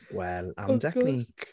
Wel am technique.